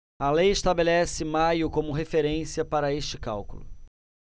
a lei estabelece maio como referência para este cálculo